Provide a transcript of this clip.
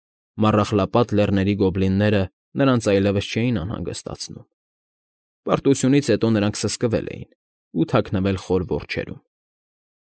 Մառախլապատ Լեռների գոբլինները նրանց այլևս չէին անհանգստացնում. պարտությունց հետո նրանք սսկվել էին ու թաքնվել խոր որջերում։